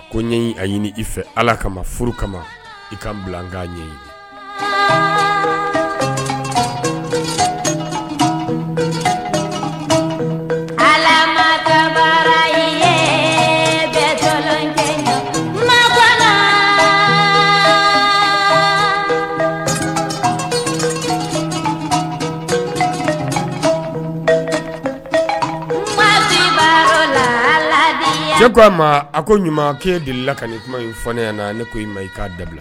Ko ɲɛ a ɲini i fɛ ala kama furu kama i ka bilakan ɲɛ ye bɛ ma la ko a ma a ko ɲuman ke deli la ka kuma in fɔ ne na ne ko i ma i k'a dabila